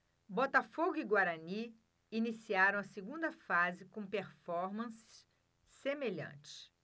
botafogo e guarani iniciaram a segunda fase com performances semelhantes